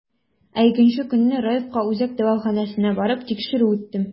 Ә икенче көнне, Раевка үзәк дәваханәсенә барып, тикшерү үттем.